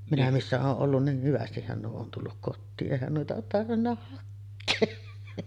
minä missä olen ollut niin hyvästihän nuo on tullut kotiin eihän noita olet tarvinnut hakea